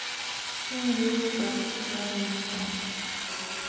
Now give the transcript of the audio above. индюшка женится